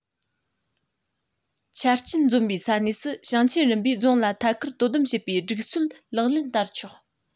ཆ རྐྱེན འཛོམས པའི ས གནས སུ ཞིང ཆེན རིམ པས རྫོང ལ ཐད ཀར དོ དམ བྱེད པའི སྒྲིག སྲོལ ལག ལེན བསྟར ཆོག